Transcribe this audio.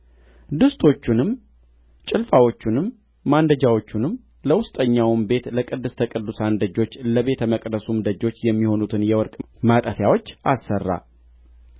ድስቶቹንም ጭልፋዎቹንም ማንደጃዎቹንም ለውስጠኛውም ቤት ለቅድስተ ቅዱሳን ደጆች ለቤተ መቅደሱም ደጆች የሚሆኑትን የወርቅ ማጠፊያዎች አሠራ